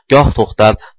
goh to'xtab